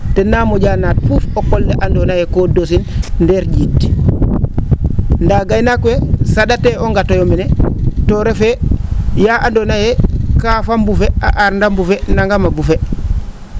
tena mo?a naat fuuf o qol le andoona yee koo dosin ndeer ?iid ndaa gaynaak we sa?atee o ngatooyo mene to refee yaa andoona yee kaaf a mbufe a arnda mbufe nangam a bufe